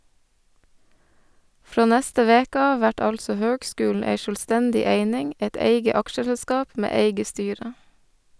Frå neste veke av vert altså høgskulen ei sjølvstendig eining, eit eige aksjeselskap med eige styre.